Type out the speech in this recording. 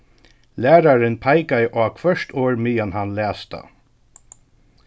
lærarin peikaði á hvørt orð meðan hann las tað